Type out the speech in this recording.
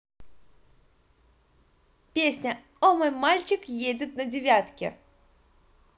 песня о мой мальчик едет на девятке